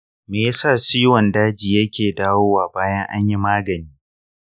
me yasa ciwon daji yake dawowa bayan an yi magani?